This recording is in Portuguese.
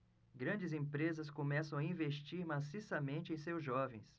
grandes empresas começam a investir maciçamente em seus jovens